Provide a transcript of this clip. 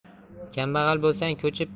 kambag'al bo'lsang ko'chib